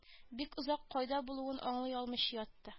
Бик озак кайда булуын аңлый алмыйча ятты